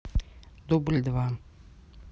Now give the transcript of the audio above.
дубль два